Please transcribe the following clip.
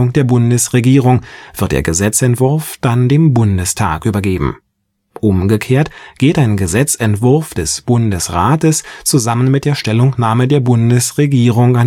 der Bundesregierung wird der Gesetzentwurf dann dem Bundestag übergeben. Umgekehrt geht ein Gesetzentwurf des Bundesrats zusammen mit der Stellungnahme der Bundesregierung